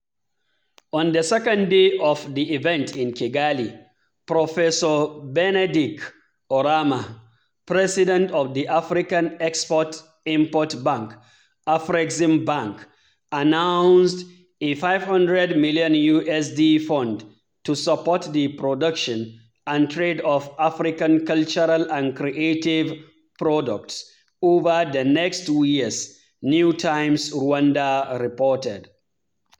On the second day of the event in Kigali, professor Benedict Oramah, president of the African Export-Import Bank (Afreximbank) announced a $500 million USD fund "to support the production and trade of African cultural and creative products" over the next two years, New Times Rwanda reported.